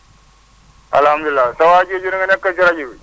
alhamdulilah sa waay jooju nga nekkal si rajo bi